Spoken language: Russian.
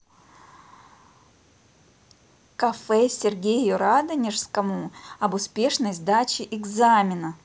кафе сергею радонежскому об успешной сдаче экзамена